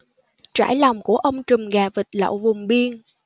trải lòng của ông trùm gà vịt lậu vùng biên